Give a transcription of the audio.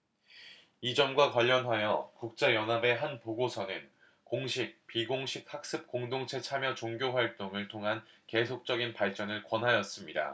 이 점과 관련하여 국제 연합의 한 보고서는 공식 비공식 학습 공동체 참여 종교 활동을 통한 계속적인 발전을 권하였습니다